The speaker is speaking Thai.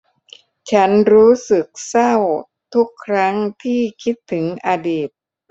ฉันรู้สึกเศร้าทุกครั้งที่คิดถึงอดีต